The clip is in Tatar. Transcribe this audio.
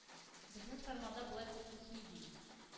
Безнең Сарманда болай күп үсми”,ди